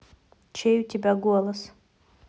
чей у тебя голос